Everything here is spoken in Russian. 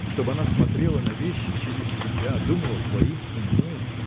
чтоб она смотрела на вещи через тебя думала твоим умом.